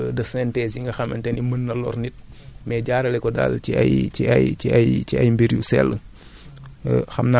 bañ a topp banh bugguma tooñ yenn engrais de synthèse yi nga xamante ni mun na lor nit